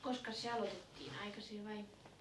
koskas se aloitettiin aikaiseen vai